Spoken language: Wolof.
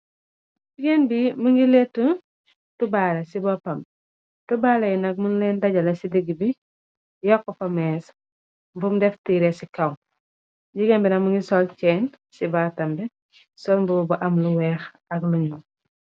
Jigeen bi mi ngi leetu tubaale, ci boppam bi tubaale yi nak mun leen dajala ci digg bi, yokku fa mees mbum def tiiree ci kaw, jigéen bi nak mi ngi sol ceen ci batambe, sol mbubu bu am lu weex ak lu ñuul.